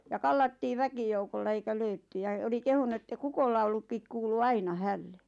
ja kallattiin väkijoukolla eikä löydetty ja oli kehunut että kukonlaulukin kuului aina hänelle